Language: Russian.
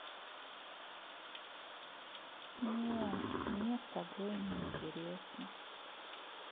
не мне с тобой не интересно